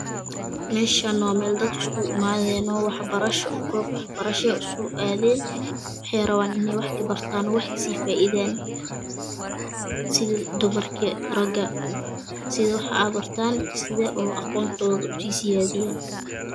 Meeshaan waa meel dad iskugu imaadeen oo waxbarasho goob waxbarashee usoo aadeen waxay rabaan in ay wax ka bartaan oo wax kasii faaiidaan sida dumarka ragga sida wax aa bartaan sida oo aqoontooda usii siyaadiyaan